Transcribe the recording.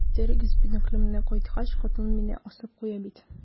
Китерегез биноклемне, кайткач, хатын мине асып куя бит.